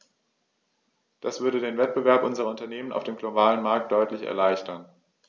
Das würde den Wettbewerb unserer Unternehmen auf dem globalen Markt deutlich erleichtern.